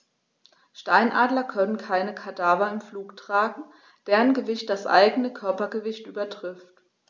Steinadler können keine Kadaver im Flug tragen, deren Gewicht das eigene Körpergewicht übertrifft.